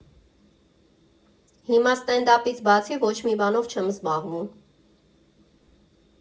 Հիմա ստենդափից բացի ոչ մի բանով չեմ զբաղվում։